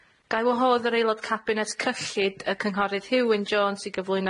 Sori bo' fi'n siarad gormod yym ond troi y cloc yn